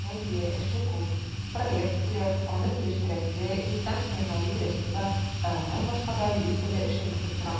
Әйе, эше күп - проект кирәк, аны килештерәсе, инстанцияләргә йөгерәсе бар, ә аннан башка да йөз төрле эшең көтеп тора.